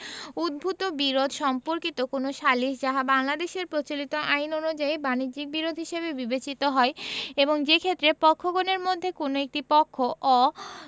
উদ্ভুত বিরোধ সম্পর্কিত কোন সালিস যাহা বাংলাদেশের প্রচলিত আইন অনুযায়ী বাণিজ্যিক বিরোধ হিসাবে বিবেচিত হয় এবং যেক্ষেত্রে পক্ষগণের মধ্যে কোন একটি পক্ষ